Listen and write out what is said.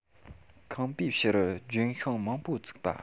ཁང པའི ཕྱི རུ ལྗོན ཤིང མང པོ བཙུགས པ